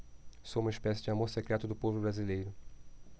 sou uma espécie de amor secreto do povo brasileiro